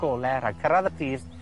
gole rhag cyrradd y pridd